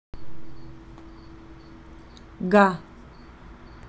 га